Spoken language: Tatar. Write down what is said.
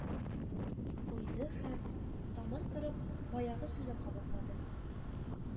Куйды һәм, тамак кырып, баягы сүзен кабатлады: